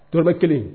T kelen